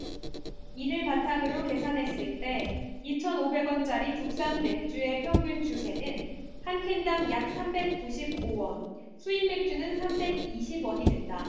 이를 바탕으로 계산했을 때 이천 오백 원짜리 국산맥주의 평균 주세는 한 캔 당 약 삼백 구십 오 원 수입맥주는 삼백 이십 원이된다